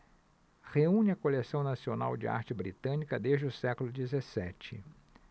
reúne a coleção nacional de arte britânica desde o século dezessete